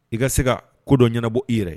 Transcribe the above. I ka se ka kodɔn ɲɛnabɔ i yɛrɛ